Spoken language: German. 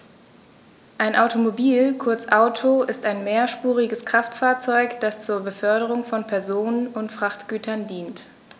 Ein Automobil, kurz Auto, ist ein mehrspuriges Kraftfahrzeug, das zur Beförderung von Personen und Frachtgütern dient.